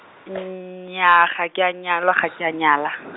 nnyaa, ga ke a nyalwa, ga ke a nyala.